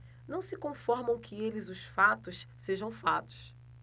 não se conformam que eles os fatos sejam fatos